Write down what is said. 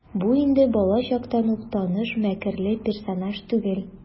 Бу инде балачактан ук таныш мәкерле персонаж түгел.